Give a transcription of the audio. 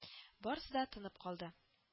Барысы да тынып калды